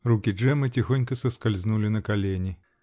Руки Джеммы тихонько соскользнули на колени.